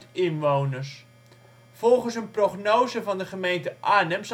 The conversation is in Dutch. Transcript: inwoners. Volgens een prognose van de gemeente Arnhem